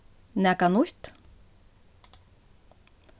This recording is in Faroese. nakað nýtt